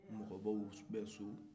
mɔgɔbaw bɛ so